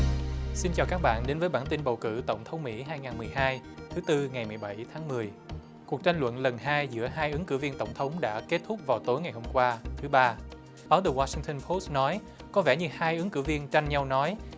xin chào các bạn đến với bản tin bầu cử tổng thống mỹ hai ngàn mười hai thứ tư ngày mười bảy tháng mười cuộc tranh luận lần hai giữa hai ứng cử viên tổng thống đã kết thúc vào tối ngày hôm qua thứ ba báo tờ goa sinh tơn pốt nói có vẻ như hai ứng cử viên tranh nhau nói